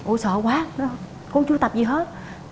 ôi sợ quá con chưa tập gì hết